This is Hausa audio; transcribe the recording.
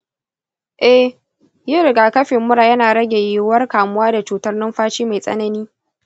eh, yin rigakafin mura yana rage yiwuwar kamuwa da cutar numfashi mai tsanani.